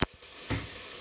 раньше simulator